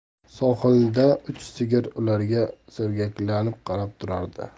sohilda uch sigir ularga sergaklanib qarab turardi